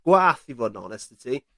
gwa'th i fod yn onest 'da ti.